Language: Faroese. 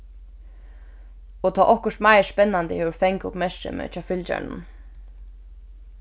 og tá okkurt meiri spennandi hevur fangað uppmerksemið hjá fylgjarunum